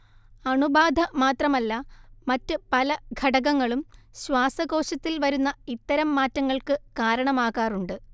അണുബാധ മാത്രമല്ല മറ്റ് പല ഘടകങ്ങളും ശ്വാസകോശത്തിൽ വരുന്ന ഇത്തരം മാറ്റങ്ങൾക്ക് കാരണമാകാറുണ്ട്